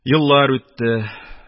Еллар үтте